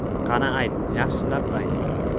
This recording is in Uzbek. qani ayt yaxshilab ayt